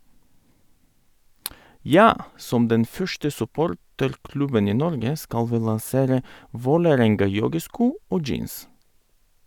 - Ja, som den første supporterklubben i Norge skal vi lansere Vålerenga-joggesko og - jeans.